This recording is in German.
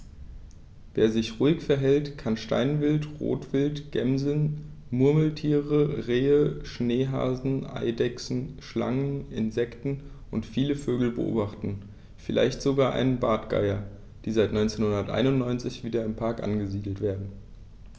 Wer sich ruhig verhält, kann Steinwild, Rotwild, Gämsen, Murmeltiere, Rehe, Schneehasen, Eidechsen, Schlangen, Insekten und viele Vögel beobachten, vielleicht sogar einen der Bartgeier, die seit 1991 wieder im Park angesiedelt werden.